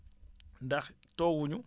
ndax toogu ñu